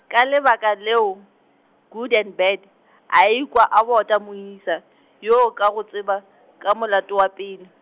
ka lebaka leo, Good and Bad, a ikwa a bota moisa, yoo ka go tseba , ka molato wa pele.